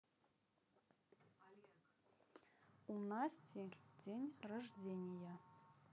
у насти день рождения